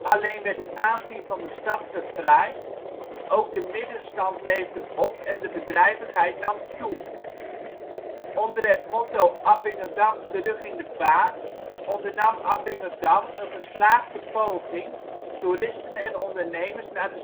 alleen werd het aanzien van de stad verfraaid, ook de middenstand leefde op en de bedrijvigheid nam toe. Onder het motto Appingedam, terug in de vaart ondernam Appingedam een geslaagde poging toeristen en ondernemers naar de